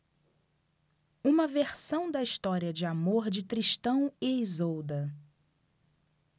uma versão da história de amor de tristão e isolda